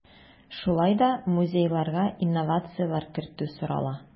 Шулай да музейларга инновацияләр кертү сорала.